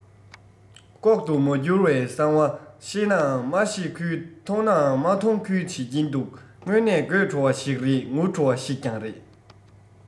ལྐོག ཏུ མ གྱུར པའི གསང བ ཤེས ནའང མ ཤེས ཁུལ མཐོང ནའང མ མཐོང ཁུལ བྱེད ཀྱིན འདུག དངོས གནས དགོད བྲོ བ ཞིག རེད ངུ བྲོ བ ཞིག ཀྱང རེད